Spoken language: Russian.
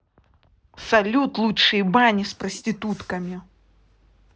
салют лучшие бани с проститутками